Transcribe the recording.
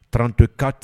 34